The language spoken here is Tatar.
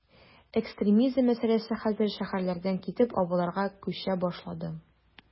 Экстремизм мәсьәләсе хәзер шәһәрләрдән китеп, авылларга “күчә” башлады.